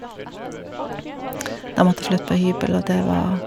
Da måtte jeg flytte på hybel, og det var...